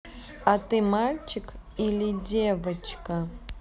а ты мальчик или девочка